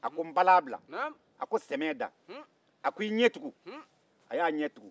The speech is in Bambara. a ko npalan bila a ko sɛmɛ da a ko i ɲɛ tugun a y'a ɲɛ tugun